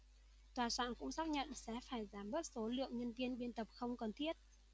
tòa soạn cũng xác nhận sẽ phải giảm bớt số lượng nhân viên biên tập không cần thiết